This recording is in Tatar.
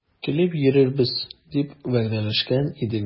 Килеп йөрербез дип вәгъдәләшкән идек бит.